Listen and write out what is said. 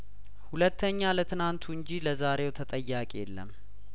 ሁለተኛ ለትናንቱ እንጂ ለዛሬው ተጠያቂ የለም